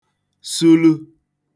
sulu